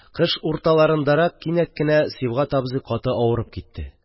Кыш урталарындарак кинәт кенә Сибгать абзый каты авырып китте.